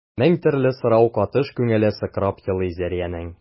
Мең төрле сорау катыш күңеле сыкрап елый Зәриянең.